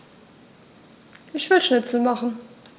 Ich will Schnitzel machen.